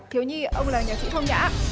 thiếu nhi ông là nhạc sĩ phong nhã